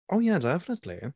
Oh yeah definitely.